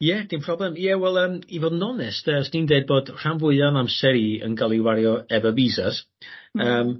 Ie dim problem ie wel yym i fod yn onest yy os di'n deud bod rhan fwya o'n amser i yn ga'l 'i wario efo visas yym